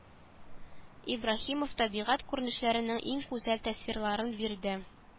Ибраһимов табигать күренешләренең иң гүзәл тасвирларын бирде